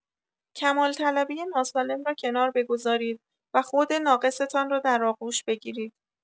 کمال‌طلبی ناسالم را کنار بگذارید و خود ناقصتان را در آغوش بگیرید.